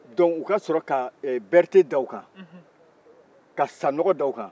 dɔnku u ka sɔrɔ ka berete da u kan ka sanogo da u kan